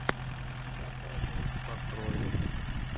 пятая группа крови